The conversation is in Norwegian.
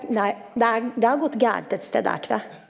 nei det er det har gått gærent et sted der, trur jeg.